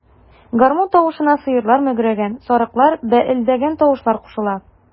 Гармун тавышына сыерлар мөгрәгән, сарыклар бәэлдәгән тавышлар кушыла.